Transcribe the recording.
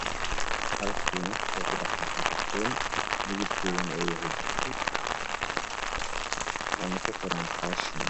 Halkan waxaa taalo doon midabkeedu yahay dahabi ayna ku qoran tahay fashion